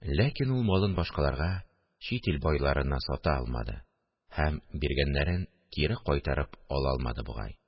Ләкин ул малын башкаларга, чит ил байларына сата алмады һәм «биргәннәрен» кире кайтарып ала алмады бугай